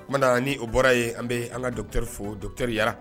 Oumana na ni o bɔra ye an bɛ an ka do fɔteyara